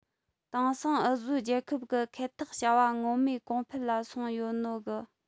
དེང སང འུ བཟོ རྒྱལ ཁབ གི འཁེལ འཐག བྱ བ ངོ མས གོང འཕེལ ལ སོང ཡོད ནོ གིས